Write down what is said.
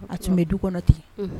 A tun bɛ du kɔnɔ ten